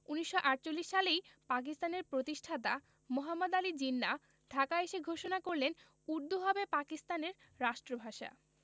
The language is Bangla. ১৯৪৮ সালেই পাকিস্তানের প্রতিষ্ঠাতা মোহাম্মদ আলী জিন্নাহ ঢাকা এসে ঘোষণা করলেন উর্দু হবে পাকিস্তানের রাষ্ট্রভাষা